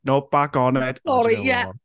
No, back on it... Sorry, yeah.